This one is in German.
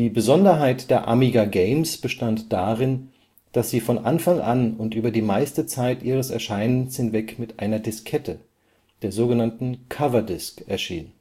Besonderheit der Amiga Games bestand darin, dass sie von Anfang an und über die meiste Zeit ihres Erscheinens hinweg mit einer Diskette, der sogenannten Cover Disk, erschien